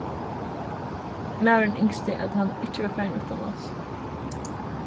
maðurin ynskti at hann ikki var farin uttanlands